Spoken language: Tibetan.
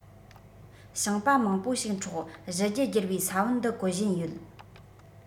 ཞིང པ མང པོ ཞིག འཕྲོག གཞི རྒྱུ སྒྱུར བའི ས བོན འདི བཀོལ བཞིན ཡོད